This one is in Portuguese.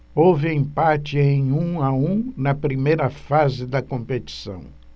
houve empate em um a um na primeira fase da competição